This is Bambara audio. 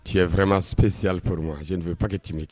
Cɛ fɛrɛmap si furu ma a bɛ pakɛ tɛmɛ bɛ kɛ